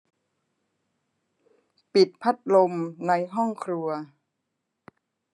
ปิดพัดลมในห้องครัว